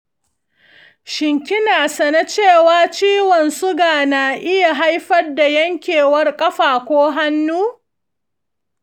shin kina sane cewa ciwon suga na iya haifar da yanke ƙafa ko hannu?